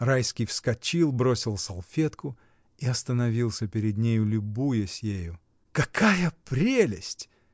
Райский вскочил, бросил салфетку и остановился перед нею, любуясь ею. — Какая прелесть!